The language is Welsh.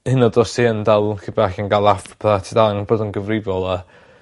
hy' yn o'd os ti yn fel mochyn bach yn ga'l laff bo' ti dal yn bod yn gyfrifol a ...